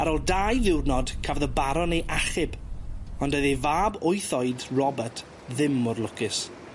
Ar ôl dau ddiwrnod, cafodd y baron ei achub, ond oedd ei fab wyth oed, Robert, ddim mor lwcus.